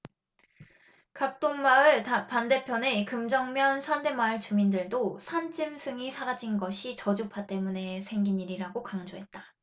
각동마을 반대편의 금정면 산대마을 주민들도 산짐승이 사라진 것이 저주파 때문에 생긴 일이라고 강조했다